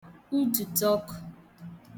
udtùdtù ọkụ